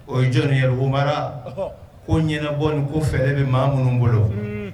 O ye jɔnkuma ko ɲɛnabɔ ko fɛ e bɛ maa minnu bolo